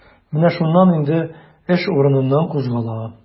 Менә шуннан инде эш урыныннан кузгала.